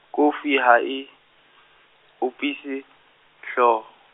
kofi ha e , opise, hlooho.